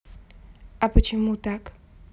а почему так